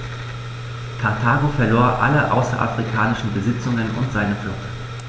Karthago verlor alle außerafrikanischen Besitzungen und seine Flotte.